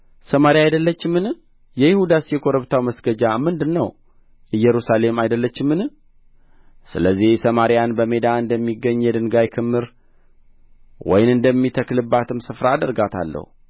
ሰማርያ አይደለችምን የይሁዳስ የኮረብታው መስገጃ ምንድር ነው ኢየሩሳሌም አይደለችምን ስለዚህ ሰማርያን በሜዳ እንደሚገኝ የድንጋይ ክምር ወይን እንደሚተከልበትም ስፍራ አደርጋታለሁ